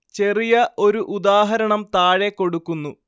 ചെറിയ ഒരു ഉദാഹരണം താഴെ കൊടുക്കുന്നു